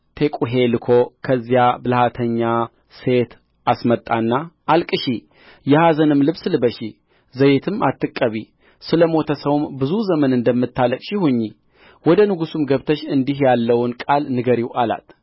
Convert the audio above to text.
ቴቁሔ ልኮ ከዚያ ብልሃተኛ ሴት አስመጣና አልቅሺ የኀዘንም ልብስ ልበሺ ዘይትም አትቀቢ ስለ ሞተ ሰውም ብዙ ዘመን እንደምታለቅሺ ሁኚ ወደ ንጉሡም ገብተሽ እንዲህ ያለውን ቃል ንገሪው አላት